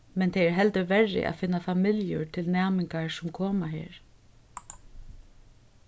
men tað er heldur verri at finna familjur til næmingar sum koma her